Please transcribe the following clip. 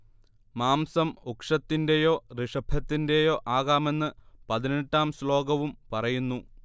മാംസം ഉക്ഷത്തിന്റെയോ ഋഷഭത്തിന്റെയോ ആകാമെന്ന് പതിനെട്ടാം ശ്ലോകവും പറയുന്നു